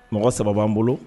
Mɔgɔ saba b'an n bolo